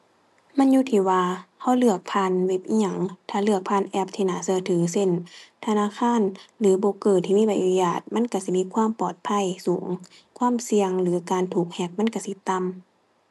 มันอยู่ที่ว่าเราเลือกผ่านเว็บอิหยัง ถ้าเลือกผ่านแอปที่น่าเราถือ เรา ธนาคารหรือโบรกเกอร์ที่มีใบอนุญาต มันเราสิมีความปลอดภัยสูง ความเสี่ยงหรือการถูกแฮ็กมันเราสิต่ำ